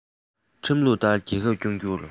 ཁྲིམས ལུགས ལྟར རྒྱལ ཁབ སྐྱོང རྒྱུ